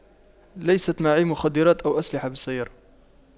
ليست معي مخدرات أو أسلحة بالسيارة